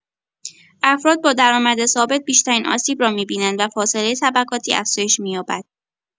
افراد با درآمد ثابت بیشترین آسیب را می‌بینند و فاصله طبقاتی افزایش می‌یابد.